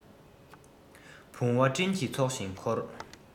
བུང བ སྤྲིན གྱི ཚོགས བཞིན འཁོར